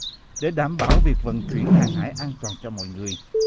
để đảm bảo việc vận chuyển hàng hải an toàn cho mọi người